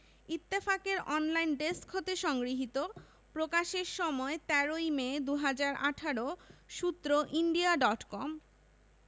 ইত্তেফাক এর online desk হতে সংগৃহীত প্রকাশের সময় ১৩ই মে ২০১৮ সূত্র ইন্ডিয়া ডট কম